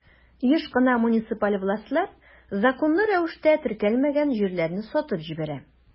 Еш кына муниципаль властьлар законлы рәвештә теркәлмәгән җирләрне сатып җибәрә.